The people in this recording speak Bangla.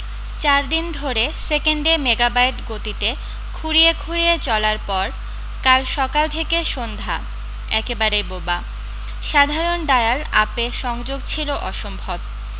চার দিন ধরে সেকেন্ডে মেগাবাইট গতিতে খুঁড়িয়ে খুঁড়িয়ে চলার পর কাল সকাল থেকে সন্ধ্যা একেবারে বোবা সাধারণ ডায়াল আপে সংযোগ ছিল অসম্ভব